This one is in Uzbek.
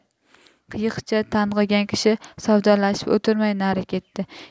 qiyiqcha tang'igan kishi savdolashib o'tirmay nari ketdi